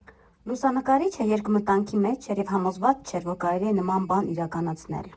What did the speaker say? Լուսանկարիչը երկմտանքի մեջ էր և համոզված չէր, որ կարելի է նման բան իրականացնել։